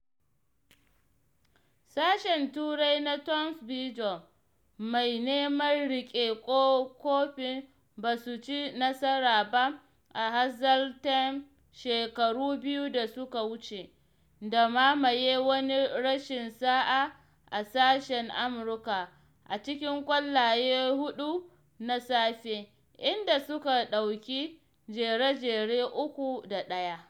Sashen Turai na Thomas Bjorn, mai neman riƙe kofin ba su ci nasara ba a Hazeltine shekaru biyu da suka wuce, da mamaye wani rashin sa’a a sashen Amurka a cikin ƙwallaye huɗu na safe, inda suka ɗauki jere-jere 3 da 1.